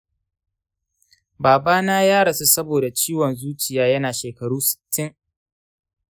baba na ya rasu saboda ciwon zuciya yana shekaru sittin.